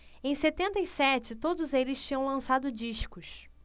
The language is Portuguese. em setenta e sete todos eles tinham lançado discos